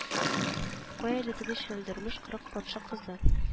Кая әле теге чәлдермеш кырык патша кызың